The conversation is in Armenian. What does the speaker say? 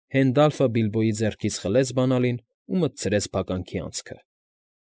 Հենդալֆը Բիլբոյի ձեռքից խլեց բանալին ու մտցրեց փականքի անցքը։